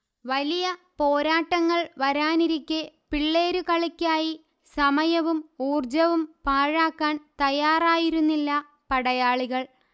വലിയ പോരാട്ടങ്ങൾ വരാനിരിക്കേ പിള്ളേരു കളിക്കായി സമയവും ഊർജവും പാഴാക്കാൻതയ്യാറായിരുന്നില്ല പടയാളികൾ